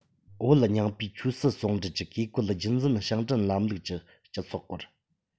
བོད རྙིང པའི ཆོས སྲིད ཟུང འབྲེལ གྱི བཀས བཀོད རྒྱུད འཛིན ཞིང བྲན ལམ ལུགས ཀྱི སྤྱི ཚོགས སྐོར